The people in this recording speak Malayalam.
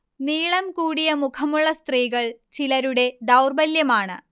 നീളം കൂടിയ മുഖമുള്ള സ്ത്രീകൾ ചിലരുടെ ദൗർബല്യമാണ്